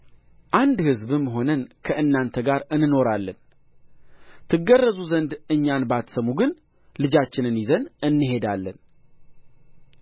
አንድ ሕዝብም ሆነን ከእናንተ ጋር እንኖራለን ትገረዙ ዘንድ እኛን ባትሰሙ ግን ልጃችንን ይዘን እንሄዳለን